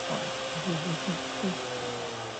oedd hi. M-hm o Hmm.